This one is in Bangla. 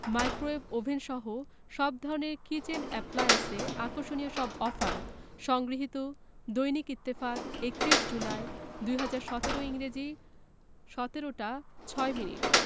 মাইক্রোওয়েভ ওভেনসহ সব ধরনের কিচেন অ্যাপ্লায়েন্সে আকর্ষণীয় সব অফার সংগৃহীত দৈনিক ইত্তেফাক ৩১ জুলাই ২০১৭ ইংরেজি ১৭ টা ৬ মিনিট